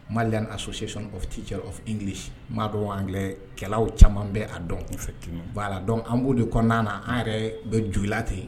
Mali so sɔn o tijaili maa dɔ anan kɛlɛ caman bɛ'a dɔn' dɔn an b' de kɔnɔna na an yɛrɛ bɛ juguya ten